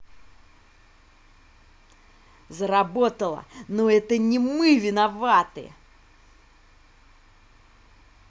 заработало но это не мы виноваты